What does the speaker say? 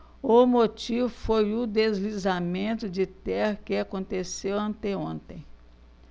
o motivo foi o deslizamento de terra que aconteceu anteontem